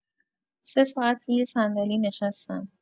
سه ساعت روی صندلی نشستم.